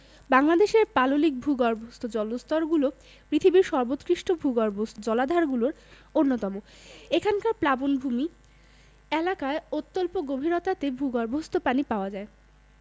বাংলাদেশের পাললিক ভূগর্ভস্থ জলস্তরগুলো পৃথিবীর সর্বোৎকৃষ্ট ভূগর্ভস্থ জলাধারগুলোর অন্যতম এখানকার প্লাবনভূমি এলাকায় অত্যল্প গভীরতাতেই ভূগর্ভস্থ পানি পাওয়া যায়